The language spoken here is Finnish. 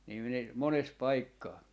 niin minä monessa paikkaa